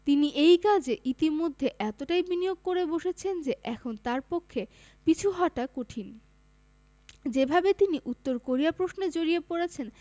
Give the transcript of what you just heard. তিনি এই কাজে ইতিমধ্যে এতটাই বিনিয়োগ করে বসেছেন যে এখন তাঁর পক্ষে পিছু হটা কঠিন যেভাবে তিনি উত্তর কোরিয়া প্রশ্নে জড়িয়ে পড়েছেন